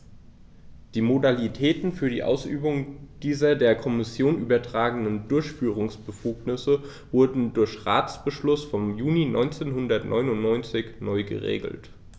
Die Modalitäten für die Ausübung dieser der Kommission übertragenen Durchführungsbefugnisse wurden durch Ratsbeschluss vom Juni 1999 neu geregelt.